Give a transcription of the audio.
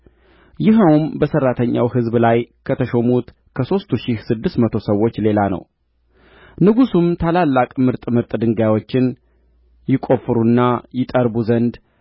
ይኸውም በሠራተኛው ሕዝብ ላይ ከተሾሙት ከሦስት ሺህ ስድስት መቶ ሰዎች ሌላ ነው ንጉሡም ታላላቅ ምርጥ ምርጥ ድንጋዮችን ይቈፍሩና ይጠርቡ ዘንድ